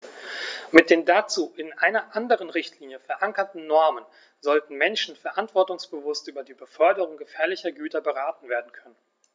Mit den dazu in einer anderen Richtlinie, verankerten Normen sollten Menschen verantwortungsbewusst über die Beförderung gefährlicher Güter beraten werden können.